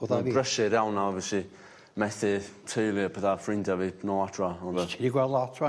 Fatha'n brysur iawn a obviously methu teulu a petha a ffrindia fi nôl adra a ma' fel... Ti 'di gweld lot 'wan...